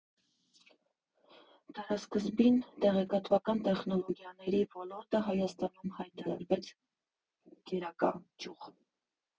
Դարասկզբին տեղեկատվական տեխնոլոգիաների ոլորտը Հայաստանում հայտարարվեց գերակա ճյուղ։